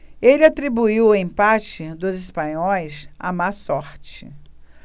ele atribuiu o empate dos espanhóis à má sorte